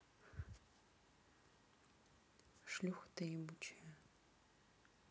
шлюха ты ебучая